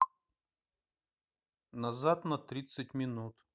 назад на тридцать минут